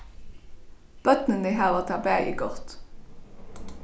børnini hava tað bæði gott